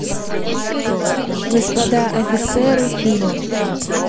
господа офицеры фильм